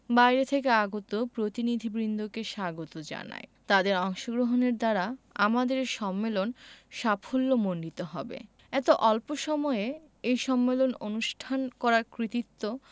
বাইরে থেকে আগত প্রতিনিধিবৃন্দকে স্বাগত জানাই তাদের অংশগ্রহণের দ্বারা আমাদের এ সম্মেলন সাফল্যমণ্ডিত হবে এত অল্প এ সম্মেলন অনুষ্ঠান করার কৃতিত্ব